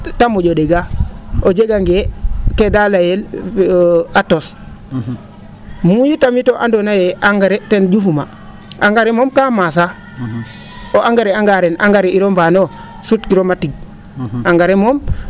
te mo?o ?egaa o jegangee ke naa layel a tos mu itam andoona yee engrais ten ?ufu ma engaris moom kaa maaasaa o engrais anga ren engrais iroo mbaano sutkiro ma tig engrais moom